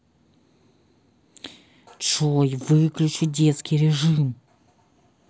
джой выключи детский режим